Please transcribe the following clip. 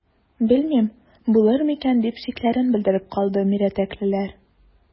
Белмим, булыр микән,– дип шикләрен белдереп калды мирәтәклеләр.